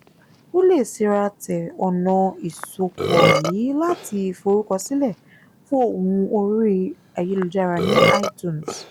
O lè síratẹ ọ̀nà-ìsopọ̀ yìí láti forúkọsílẹ̀ fún ohùn orí ayélujára ní iTunes.